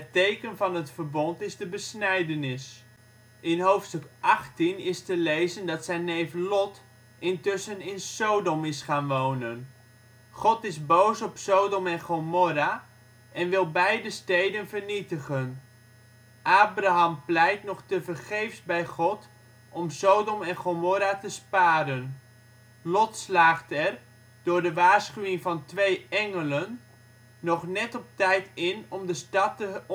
teken van het verbond is de besnijdenis. In hoofdstuk 18 is te lezen dat zijn neef Lot intussen in Soddom is gaan wonen. God is boos op Sodom en Gommora en wil beide steden vernietigen. Abraham pleit nog tevergeefs bij God om Sodom en Gommora te sparen. Lot slaagt er, door de waarschuwing van twee engelen, nog net op tijd in om de stad